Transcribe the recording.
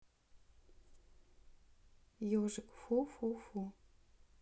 ежик фу фу фу